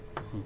waaw